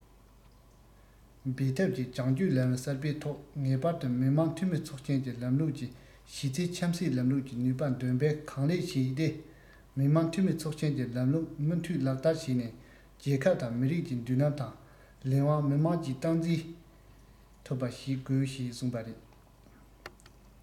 འབད འཐབ ཀྱི རྒྱང སྐྱོད ལམ བུ གསར པའི ཐོག ངེས པར དུ མི དམངས འཐུས མི ཚོགས ཆེན གྱི ལམ ལུགས ཀྱི གཞི རྩའི ཆབ སྲིད ལམ ལུགས ཀྱི ནུས པ འདོན སྤེལ གང ལེགས བྱས ཏེ མི དམངས འཐུས མི ཚོགས ཆེན གྱི ལམ ལུགས མུ མཐུད ལག བསྟར བྱས ནས རྒྱལ ཁབ དང མི རིགས ཀྱི མདུན ལམ དང ལས དབང མི དམངས ཀྱིས སྟངས འཛིན ཐུབ པ བྱེད དགོས ཞེས གསུངས པ རེད